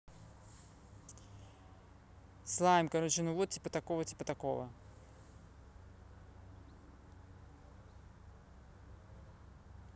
slime короче ну вот типа такого типа такого